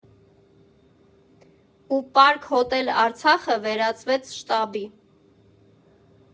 Ու «Պարկ հոթել Արցախը» վերածվեց շտաբի։